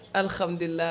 ahamdulillah